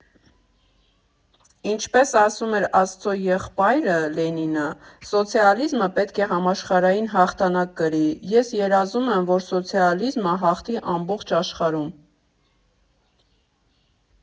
Ինչպես ասում էր աստծո եղբայրը՝ Լենինը, սոցիալիզմը պետք է համաշխարհային հաղթանակ կրի, ես երազում եմ, որ սոցիալիզմը հաղթի ամբողջ աշխարհում։